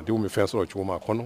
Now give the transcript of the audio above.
Adenw bɛ fɛn sɔrɔ o cogo ma